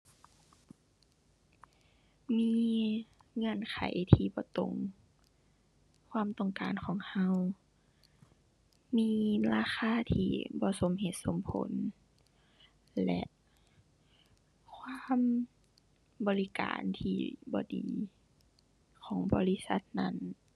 มีเงื่อนไขที่บ่ตรงความต้องการของเรา มีราคาที่บ่สมเหตุสมผล และความบริการที่บ่ดีของบริษัทนั้น